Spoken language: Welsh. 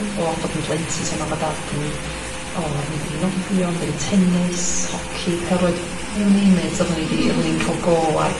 o fod yn blentyn t'wod odd mam a dad yn oo mynd a ni i nofio mynd a ni i tennis hoci pel-rwyd you name it odda ni di' odda ni'n ca'l go ar